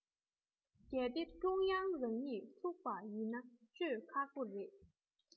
གལ ཏེ ཀྲུང དབྱང རང གཉིད འཁྲུག པ ཡིན ན ཤོད ཁག པོ རེད